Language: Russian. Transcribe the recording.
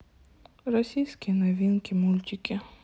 российские новинки мультики